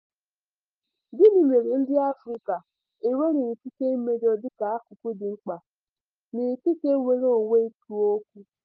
Gịnị mere ndị Afrịka enweghị ikike imejọ dịka akụkụ dị mkpa n'ikike nnwereonwe ikwu okwu?